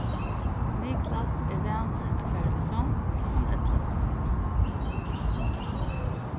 niklas er vanur at fara í song klokkan ellivu